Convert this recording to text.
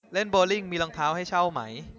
เล่นโบว์ลิ่งมีรองเท้าให้เช่าไหม